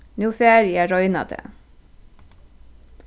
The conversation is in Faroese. nú fari eg at royna tað